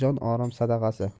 jon orim sadag'asi